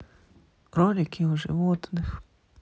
ролики о животных